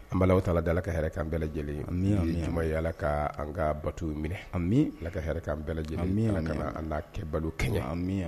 Ani bɛ Allahu taala deli Allah ka hɛrɛ kɛ an bɛɛ lajɛlen ye, an ba ɲini ala ka an ka bato minɛ, allah kana an n'a kɛbaliw kɛɲɛn, Amina aaminyaa rabi